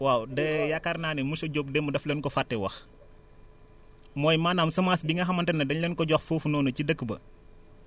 waaw d' ailleurs yaakaar naa ne monsieur Diop démb daf leen ko fàttee wax mooy maanaam semence bi nga xamante ne dañ leen ko jox foofu noonu ci dëkk ba